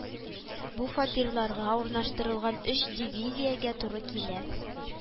Бу фатирларга урнаштырылган өч дивизиягә туры килә